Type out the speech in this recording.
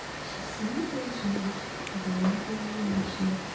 счастливая женщина добрая женщина